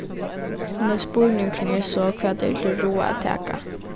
men spurningurin er so hvat er til ráða at taka